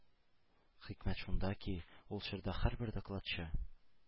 Хикмәт шунда ки, ул чорда һәрбер докладчы